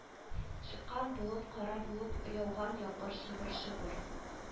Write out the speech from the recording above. Чыккан болыт кара булып яуган яңгыр шыбыр-шыбыр